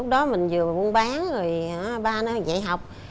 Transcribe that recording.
lúc đó mình dừa buôn bán rồi hả ba nó dạy học